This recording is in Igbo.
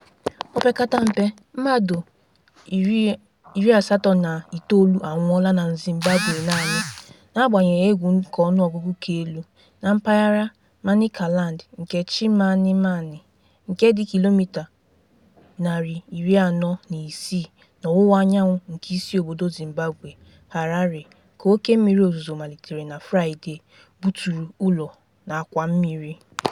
Opekata mpe mmadụ 89 anwụọla na Zimbabwe naanị, n'agbanyeghị egwu nke ọnụọgụgụ ka elu, na mpaghara Manicaland nke Chimanimani, nke dị kilomita 406 n'ọwụwaanyanwụ nke isiobodo Zimbabwe, Harare, ka oké mmiri ozuzo malitere na Fraịdee buturu ụlọ na àkwàmmiri.